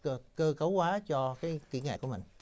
cơ cơ cấu hóa cho cái kỹ nghệ của mình